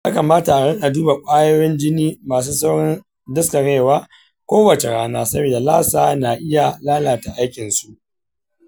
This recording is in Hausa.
ya kamata a rika duba kwayoyin jini masu saurin daskarewa kowace rana saboda lassa na iya lalata aikin su.